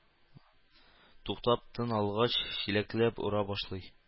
Туктап тын алгач, чиләкләп ора башлый